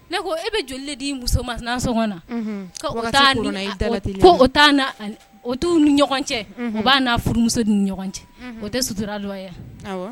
Ne ko e bɛ jolilen di muso sɔn na ni ɲɔgɔn cɛ u b' n' furumuso ni ɲɔgɔn cɛ o tɛ suturara la